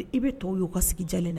I bɛ to y'u ka sigi jalen na